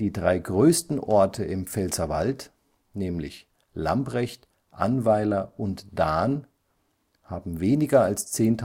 drei größten Orte im Pfälzerwald, Lambrecht, Annweiler und Dahn haben weniger als 10.000